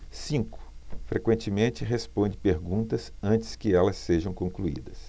cinco frequentemente responde perguntas antes que elas sejam concluídas